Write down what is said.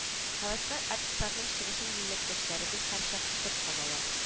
Һәвәскәр артистларның чыгышын милләттәшләребез һәрчак көтеп алалар